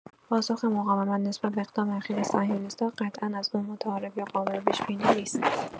پاسخ مقاومت نسبت به اقدام اخیر صهیونیست‌ها قطعا از نوع متعارف یا قابل پیش‌بینی نیست.